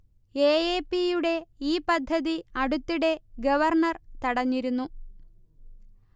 A. A. P. യുടെ ഈ പദ്ധതി അടുത്തിടെ ഗവർണർ തടഞ്ഞിരുന്നു